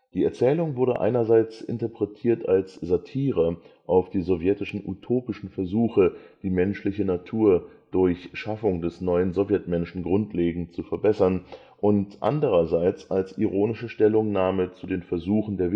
Die Erzählung wurde einerseits interpretiert als Satire auf die sowjetischen utopischen Versuche, die menschliche Natur durchs Schaffung des Neuen Sowjetmenschen grundlegend zu verbessern, und andererseits als ironische Stellungnahme zu den Versuchen der Wissenschaftler